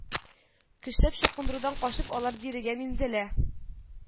Көчләп чукындырудан качып, алар бирегә Минзәлә